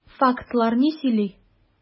Фактлар ни сөйли?